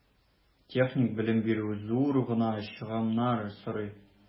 Техник белем бирү зур гына чыгымнар сорый.